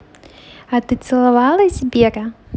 а ты целовалась сбера